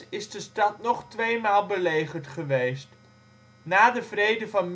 is de stad nog twee maal belegerd geweest. Na de Vrede van